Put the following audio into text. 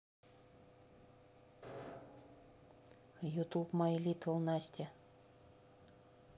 ютуб май литл настя